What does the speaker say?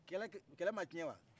kɛlɛ tɛ kɛlɛ ma tiɲɛ wa